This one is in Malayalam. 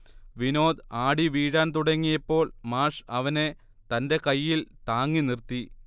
വിനോദ് ആടി വീഴാൻ തുടങ്ങിയപ്പോൾ മാഷ് അവനെ തന്റെ കയ്യിൽ താങ്ങി നിർത്തി